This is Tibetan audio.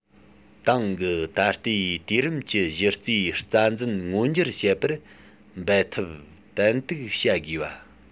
ཏང གི ད ལྟའི དུས རིམ གྱི གཞི རྩའི རྩ འཛིན མངོན འགྱུར བྱེད པར འབད འཐབ ཏན ཏིག བྱ དགོས བ